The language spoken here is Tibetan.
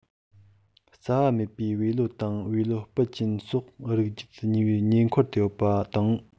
རྩ བ མེད པའི བེ ལོ དང བེ ལོ སྤུ ཅན སོགས རིགས རྒྱུད གཉིས པའི ཉེ འཁོར དུ ཡོད པ དང